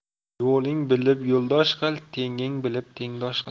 yo'ling bilib yo'ldosh qil tenging bilib tengdosh qil